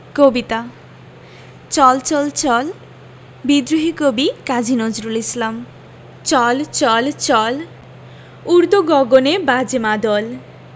কবিতা চল চল চল বিদ্রোহী কবি কাজী নজরুল ইসলাম চল চল চল ঊর্দ গগনে বাজে মাদল